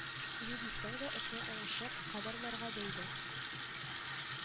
Ни дисәң дә эшнең уңышы кадрларга бәйле